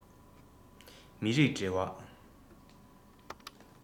མི རིགས འབྲེལ བ